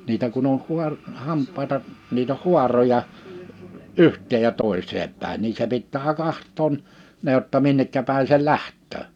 niitä kun oli - hampaita niitä oli haaroja yhteen ja toiseen päin niin se pitää katsoa ne jotta minne päin se lähtee